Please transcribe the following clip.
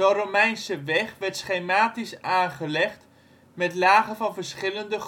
Romeinse weg werd schematisch aangelegd, met lagen van verschillende